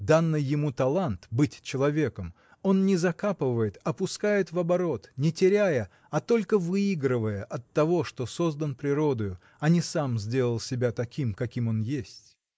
Данный ему талант — быть человеком — он не закапывает, а пускает в оборот, не теряя, а только выигрывая от того, что создан природою, а не сам сделал себя таким, каким он есть.